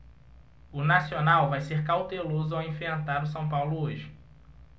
o nacional vai ser cauteloso ao enfrentar o são paulo hoje